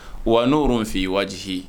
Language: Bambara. Wa n'our in f'i wa waati